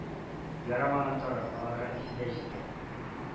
— ярамаган тагы. аларга исе дә җиткән